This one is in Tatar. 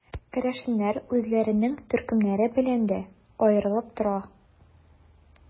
Керәшеннәр үзләренең төркемнәре белән дә аерылып тора.